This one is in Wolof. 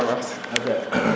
ok Mor merci